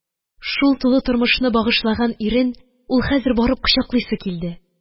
Шул тулы тормышны багышлаган ирен ул хәзер барып кочаклыйсы килде